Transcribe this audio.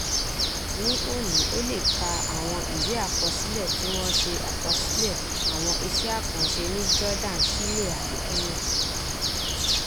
Ní òní o lè kà àwọn ìwé àkọsílẹ tí wọ́n ṣe àkọsílẹ̀ àwọn iṣẹ́ àkànṣe ní Jordan, Chile, àti Kenya.